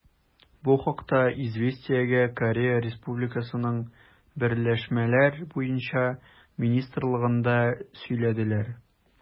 Бу хакта «Известия»гә Корея Республикасының берләшмәләр буенча министрлыгында сөйләделәр.